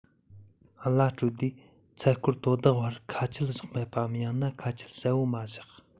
གླ སྤྲོད དུས ཚད སྐོར དོ བདག བར ཁ ཆད བཞག མེད པའམ ཡང ན ཁ ཆད གསལ པོ མ བཞག